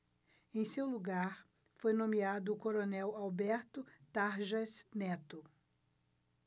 em seu lugar foi nomeado o coronel alberto tarjas neto